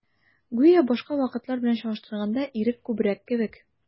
Гүя башка вакытлар белән чагыштырганда, ирек күбрәк кебек.